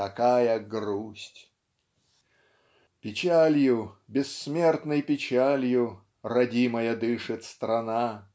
Какая грусть!" Печалью, бессмертной печалью Родимая дышит страна.